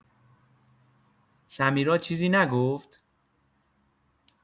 سمیرا چیزی نگفت.